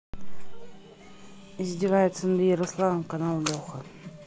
издеваются над ярославом канал леха